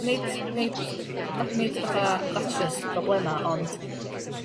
nid nid fa- nid fatha datrys problema ond